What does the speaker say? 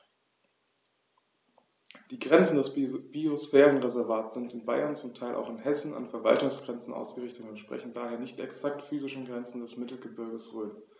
Die Grenzen des Biosphärenreservates sind in Bayern, zum Teil auch in Hessen, an Verwaltungsgrenzen ausgerichtet und entsprechen daher nicht exakten physischen Grenzen des Mittelgebirges Rhön.